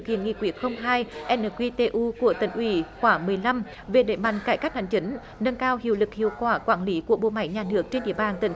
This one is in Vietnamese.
hiện nghị quyết không hai n q t ư của tỉnh ủy khoảng mười năm về đẩy mạnh cải cách hành chính nâng cao hiệu lực hiệu quả quản lý của bộ máy nhà nước trên địa bàn tỉnh